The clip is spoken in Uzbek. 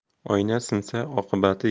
oyna sinsa oqibati